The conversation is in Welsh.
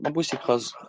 ma'n bwysig 'chos